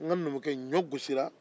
n ka numukɛ ɲɔ gosira